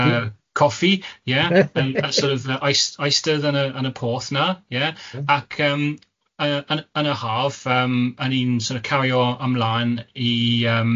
yym coffi ie yn sort of yy aist- aistedd yn y yn y porth na ie ac yym yn yn yn y haf yym yn i'n sort of cario ymlan i yym